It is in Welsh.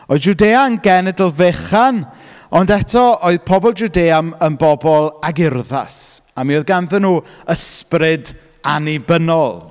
Oedd Jwdea yn genedl fechan, ond eto oedd pobl Jwdea yn yn bobl ag urddas, a mi oedd ganddyn nhw ysbryd annibynnol.